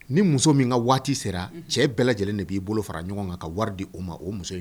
Ni muso min ka waati sera cɛ bɛɛ lajɛlen de b'i bolo fara ɲɔgɔn kan ka wari di o ma o muso in ye